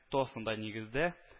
Тоснода, нигездә